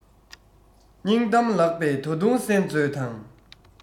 སྙིང གཏམ ལགས པས ད དུང གསན མཛོད དང